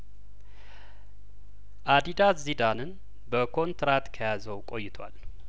አዲዳስ ዚዳንን በኮንትራት ከያዘው ቆይቷል